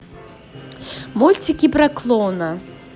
мультики про клоуна